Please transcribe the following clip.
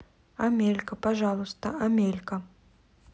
амелька пожалуйста амелька